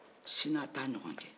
sini a t'a ɲɔgɔn kɛ